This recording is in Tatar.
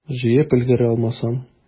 Җыеп өлгерә алмасам?